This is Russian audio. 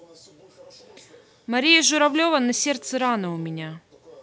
мария журавлева на сердце рана у меня